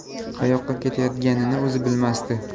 qayoqqa ketayotganini o'zi bilmasdi